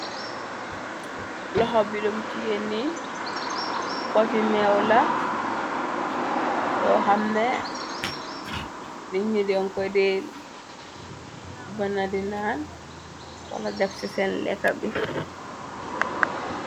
Loxo bi lum tiye ni poti meew la bo hamne ninyi denko dee bonna dinaan. wala def ci sen lekka bi.